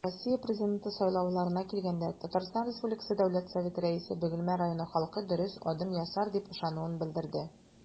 Россия Президенты сайлауларына килгәндә, ТР Дәүләт Советы Рәисе Бөгелмә районы халкы дөрес адым ясар дип ышануын белдерде.